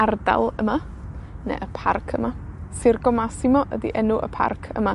ardal yma, neu y parc yma. Circo Massimo ydi enw y parc yma.